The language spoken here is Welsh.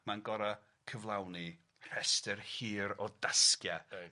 Ma'n gor'o' cyflawni rhester hir o dasgia. Reit.